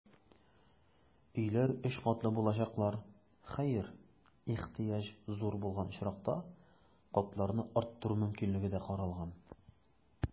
Өйләр өч катлы булачаклар, хәер, ихтыяҗ зур булган очракта, катларны арттыру мөмкинлеге дә каралган.